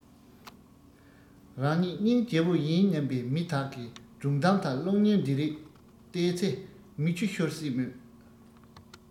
རང ཉིད སྙིང རྗེ བོ ཡིན སྙམ པའི མི དག གིས སྒྲུང གཏམ དང གློག བརྙན འདི རིགས བལྟས ཚེ མིག ཆུ ཤོར སྲིད མོད